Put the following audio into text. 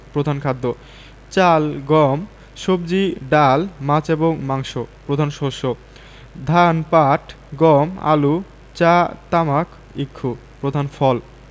প্রধান খাদ্যঃ চাল গম সবজি ডাল মাছ এবং মাংস প্রধান শস্যঃ ধান পাট গম আলু চা তামাক ইক্ষু প্রধান ফলঃ